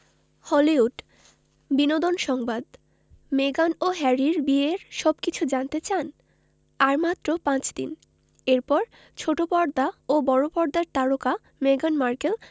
Hollywood বিনোদন সংবাদ মেগান ও হ্যারির বিয়ের সবকিছু জানতে চান আর মাত্র পাঁচ দিন এরপর ছোট পর্দা ও বড় পর্দার তারকা মেগান মার্কেল